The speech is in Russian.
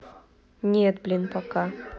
нет блин пока